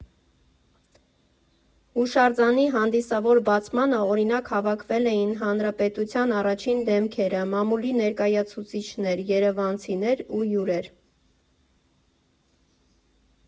Հուշարձանի հանդիսավոր բացման օրը հավաքվել էին հանրապետության առաջին դեմքերը, մամուլի ներկայացուցիչներ, երևանցիներ ու հյուրեր։